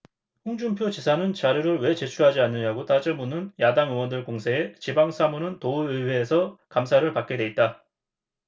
홍준표 지사는 자료를 왜 제출하지 않느냐고 따져 묻는 야당 의원들 공세에 지방 사무는 도의회에서 감사를 받게 돼 있다